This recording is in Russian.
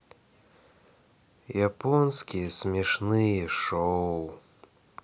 японские смешные шоу